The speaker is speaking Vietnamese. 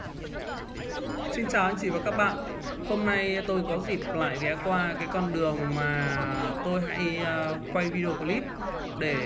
xin chào anh chị và các bạn hôm nay tôi có dịp ghé qua con đường hay thường xuyên qua để quay video clip